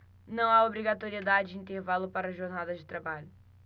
não há obrigatoriedade de intervalo para jornadas de trabalho